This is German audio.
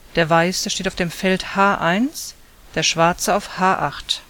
der weiße steht auf dem Feld h1, der schwarze auf h8